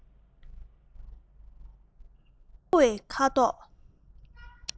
འཆི བའི ཁ དོག